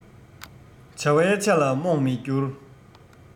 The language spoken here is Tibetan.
བྱ བའི ཆ ལ རྨོངས མི འགྱུར